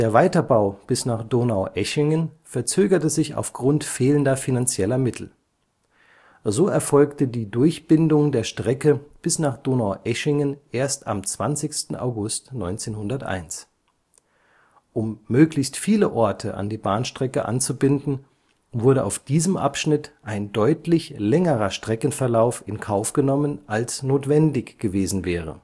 Weiterbau bis nach Donaueschingen verzögerte sich aufgrund fehlender finanzieller Mittel. So erfolgte die Durchbindung der Strecke bis nach Donaueschingen erst am 20. August 1901. Um möglichst viele Orte an die Bahnstrecke anzubinden, wurde auf diesem Abschnitt ein deutlich längerer Streckenverlauf in Kauf genommen als notwendig gewesen wäre